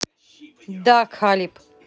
да халиб